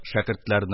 Шәкертләрне